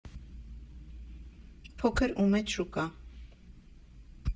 Փոքր ու մեծ շուկա։